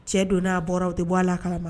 Cɛ donna' a bɔra u tɛ b bɔ a la kalama